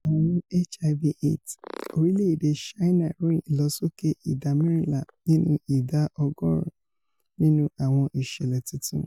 Ààrùn HIV/Aids: Orilẹ̵-ede Ṣáínà ròyìn ìlọsókè ìdá mẹ́rìnlá nínú ìdá ọgọ́ọ̀rún nínú àwọn ìṣẹ̀lẹ̀ tuntun